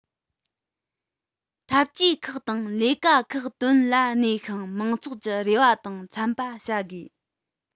ཐབས ཇུས ཁག དང ལས ཀ ཁག དོན ལ གནས ཤིང མང ཚོགས ཀྱི རེ བ དང འཚམས པ བྱ དགོས